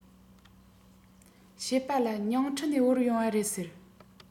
བཤད པ ལ ཉིང ཁྲི ནས དབོར ཡོང བ རེད ཟེར